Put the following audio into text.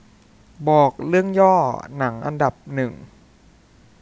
บอกเรื่องย่อหนังอันดับหนึ่ง